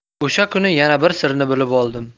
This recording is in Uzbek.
o'sha kuni yana bir sirni bilib oldim